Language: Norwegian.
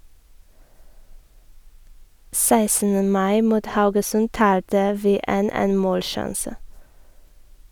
16. mai mot Haugesund talte vi 1 - én - målsjanse.